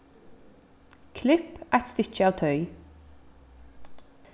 klipp eitt stykki av toy